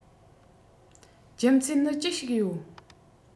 རྒྱུ མཚན ནི ཅི ཞིག ཡོད